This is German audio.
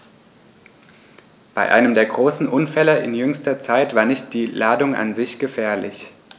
Bei einem der großen Unfälle in jüngster Zeit war nicht die Ladung an sich gefährlich.